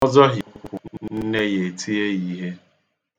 Ọ zọhie ụkwụ, nne ya etie ya ihe